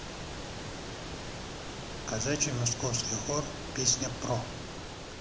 казачий московский хор песня про